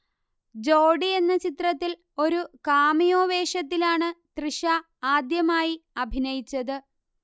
ജോഡി എന്ന ചിത്രത്തിൽ ഒരു കാമിയോ വേഷത്തിലാണ് തൃഷ ആദ്യമായി അഭിനയിച്ചത്